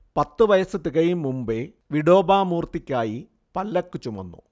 പത്തു വയസ്സു തികയും മുമ്പേ വിഠോബാ മൂർത്തിക്കായി പല്ലക്ക് ചുമന്നു